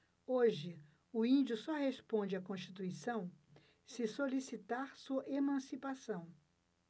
hoje o índio só responde à constituição se solicitar sua emancipação